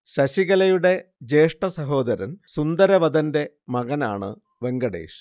ശശികലയുടെ ജ്യേഷ്ഠ സഹോദരൻ സുന്ദരവദന്റെ മകനാണ് വെങ്കടേഷ്